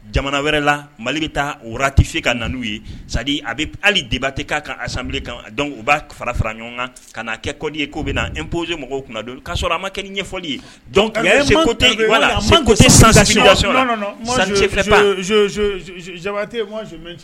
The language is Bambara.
Jamana wɛrɛ la mali bɛ taa otifin ka nanu ye a bɛ hali debatɛ k'a ka asan kan u b' fara fara ɲɔgɔn kan ka'a kɛ kɔdi ye k'o bɛ na epz mɔgɔw tun don k'a sɔrɔ a ma kɛ ɲɛfɔli ye